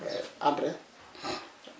entrez